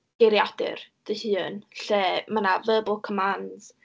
geiriadur dy hun lle ma' 'na verbal commands.